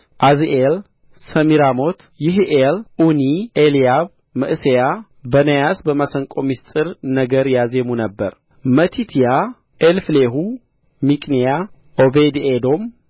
ዓዝዔል ሰሚራሞት ይሒኤል ዑኒ ኤልያብ መዕሤያ በናያስ በመሰንቆ ምሥጢር ነገር ያዜሙ ነበር መቲትያ ኤልፍሌሁ ሚቅኒያ ዖቤድኤዶም